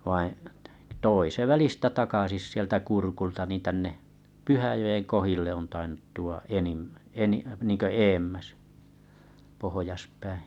vaan toi se välistä takaisin sieltä Kurkulta niin tänne Pyhäjoen kohdille on tainnut tuoda enimmän - niin kuin edemmäs pohjaspäin